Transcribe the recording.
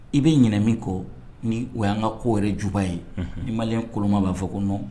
I bɛ ɲɛna min kɔ ni wa y' ka ko wɛrɛ juba ye n ma kolonma b'a fɔ koɔ